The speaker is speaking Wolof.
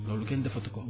loolu kenn defatu ko